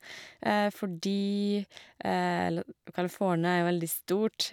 Fordi lo California er jo veldig stort.